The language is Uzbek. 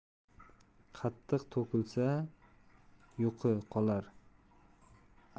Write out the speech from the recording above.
qatiq to'kilsa yuqi qolar